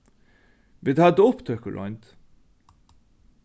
vit høvdu upptøkuroynd